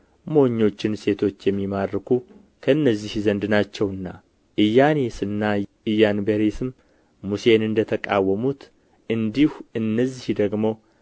ሞኞችን ሴቶች የሚማርኩ ከእነዚህ ዘንድ ናቸውና ኢያኔስና ኢያንበሬስም ሙሴን እንደ ተቃወሙት እንዲሁ እነዚህ ደግሞ